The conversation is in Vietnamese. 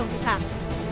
sản